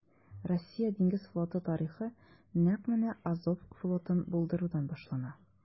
Россия диңгез флоты тарихы нәкъ менә Азов флотын булдырудан башлана.